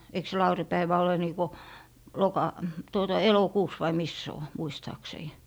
eikö se laurinpäivä ole niin kuin - tuota elokuussa vai missä se on muistaakseni